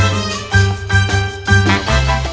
luân ơi